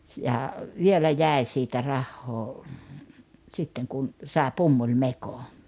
ja vielä jäi siitä rahaa sitten kun sai pumpulimekon